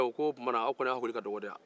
o ko o tuma na aw hakili ka dɔgɔn de wa